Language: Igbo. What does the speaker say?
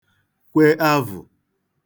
kwe avụ̀